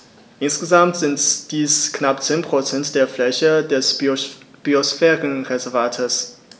Insgesamt sind dies knapp 10 % der Fläche des Biosphärenreservates.